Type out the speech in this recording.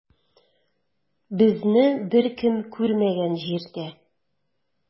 Безне беркем күрмәгән җирдә.